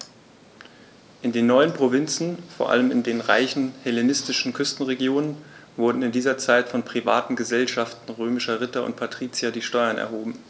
In den neuen Provinzen, vor allem in den reichen hellenistischen Küstenregionen, wurden in dieser Zeit von privaten „Gesellschaften“ römischer Ritter und Patrizier die Steuern erhoben.